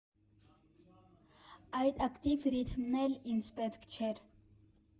Այդ ակտիվ ռիթմն էլ ինձ պետք չէր։